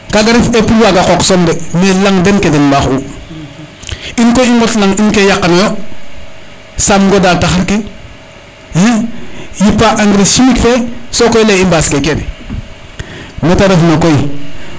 kaga ref e pour waga qoox soom de mais laŋ den ke den mbaax u in koy i ngot laŋ in ke yaqano yo saam ŋoda taxar ke yipa engrais chimique fe sokoy leye i mbaas ke kene mete refna koy